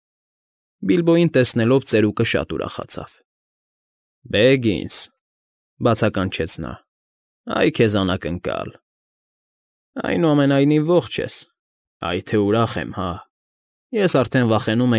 Բիլբոյին տեսենոլվ՝ ծերուկը շատ ուրախացավ։ ֊ Բեգինս,֊ բացականաչեց նա։֊ Այ քեզ անակնկա՜լ… Այնուամենայնիվ ողջ ես… Այ թե ուրախ եմ, հա՜… Ես արդեն վախենում։